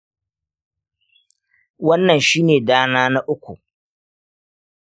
wannan shine dana na uku.